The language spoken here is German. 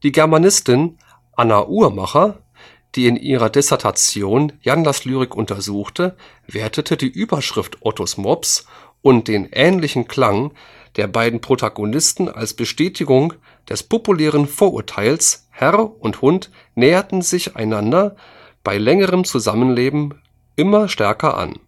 Germanistin Anne Uhrmacher, die in ihrer Dissertation Jandls Lyrik untersuchte, wertete die Überschrift „ ottos mops “und den ähnlichen Klang der beiden Protagonisten als Bestätigung des populären Vorurteils, Herr und Hund näherten sich einander bei längerem Zusammenleben immer stärker an